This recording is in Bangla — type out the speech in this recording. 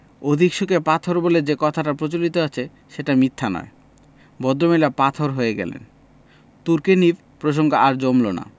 অধিক শোকে পাথর বলে যে কথাটা প্রচলিত আছে সেটা মিথ্যা নয় ভদ্র মহিলা পাথর হয়ে গেলেন তুর্গেনিভ প্রসঙ্গ আর জমল না